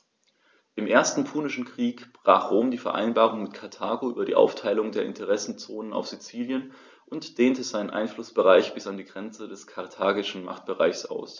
Im Ersten Punischen Krieg brach Rom die Vereinbarung mit Karthago über die Aufteilung der Interessenzonen auf Sizilien und dehnte seinen Einflussbereich bis an die Grenze des karthagischen Machtbereichs aus.